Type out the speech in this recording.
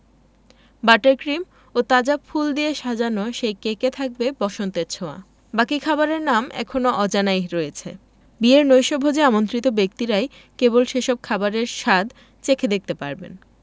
butter cream ও তাজা ফুল দিয়ে সাজানো সেই কেকে থাকবে বসন্তের ছোঁয়া বাকি খাবারের নাম এখনো অজানাই রয়েছে বিয়ের নৈশভোজে আমন্ত্রিত ব্যক্তিরাই কেবল সেসব খাবারের স্বাদ চেখে দেখতে পারবেন